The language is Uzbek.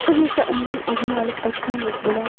qiz esa undan o'zini olib qochgandek bo'lar